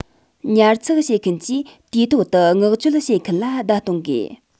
ཉར ཚགས བྱེད མཁན གྱིས དུས ཐོག ཏུ མངགས བཅོལ བྱེད མཁན ལ བརྡ གཏོང དགོས